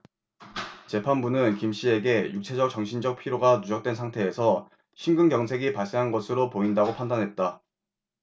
재판부는 김씨에게 육체적 정신적 피로가 누적된 상태에서 심근경색이 발생한 것으로 보인다고 판단했다